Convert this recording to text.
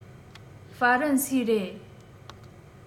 ཧྥ རན སིའི རེད